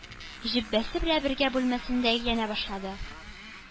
Җөббәсе белән бергә бүлмәсендә әйләнә башлады.